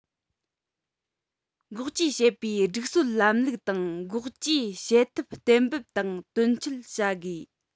འགོག བཅོས བྱེད པའི སྒྲིག སྲོལ ལམ ལུགས དང འགོག བཅོས བྱེད ཐབས གཏན འབེབས དང དོན འཁྱོལ བྱ དགོས